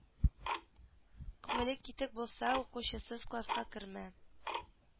Күңелең китек булса укучысыз класска кермә